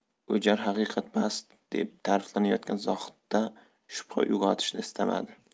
o'jar haqiqatparast deb ta'riflanayotgan zohidda shubha uyg'otishni istamadi